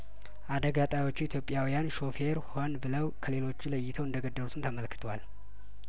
አደጋ ጣዮቹ ኢትዮጵያዊውን ሾፌር ሆን ብለው ከሌሎ ለይተው እንደገደሉትም ተመልክቷል